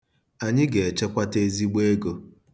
Anyị ga-echekwata ezigbo ego.